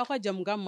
Aw ka jamu ma